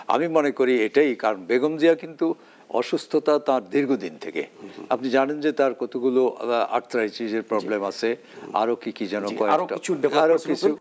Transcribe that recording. আমি মনে করি এটাই কারণ বেগম জিয়ার কিন্তু অসুস্থতার তার দীর্ঘদিন থেকে আপনি জানেন যে তার কতগুলো আর্থ্রাইটিসের প্রবলেম আছে আরও কি কি যেন আরো কিছু